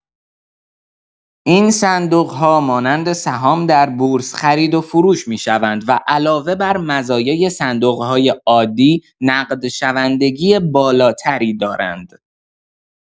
این صندوق‌ها مانند سهام در بورس خرید و فروش می‌شوند و علاوه بر مزایای صندوق‌های عادی، نقدشوندگی بالاتری دارند.